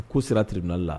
U ko sira tiriduna la